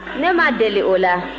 ne ma deli o la